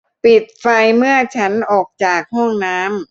ปิดไฟเมื่อฉันออกจากห้องน้ำ